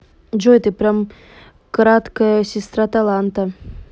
джой ты прям краткая сестра таланта